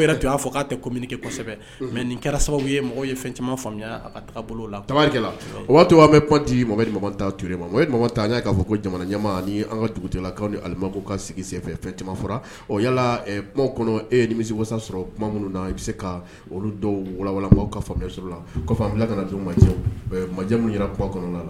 yɛrɛ to y'a fɔ k'a tɛ ko minikesɛbɛ mɛ nin kɛra sababu ye mɔgɔ ye fɛn caman faamuyaya bolo la tari la o waatito bɛ cotigi mɔgɔ makan taa tu ma o ye mɔgɔ ta y'a'a fɔ ko jamanama ni an kala' ni alima ka sigi sen fɛn caman o yala kuma kɔnɔ e ye nimi wasa sɔrɔ minnu na i bɛ se ka olu dɔw wawa ka la bila ka don ma majɛ minnu yɛrɛ kɔnɔ la